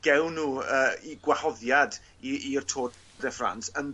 gewn n'w yy 'u gwahoddiad i i'r Tour de France yn...